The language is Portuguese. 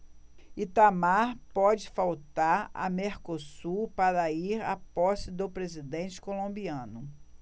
itamar pode faltar a mercosul para ir à posse do presidente colombiano